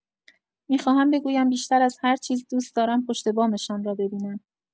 می‌خواهم بگویم بیشتر از هر چیز دوست دارم پشت‌بام‌شان را ببینم.